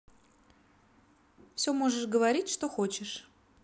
все можешь говорить что хочешь